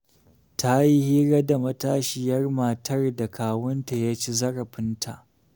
Ta yi hira da matashiyar matar da kawunta ya ci zarafinta.